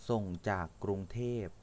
ส่งจากกรุงเทพ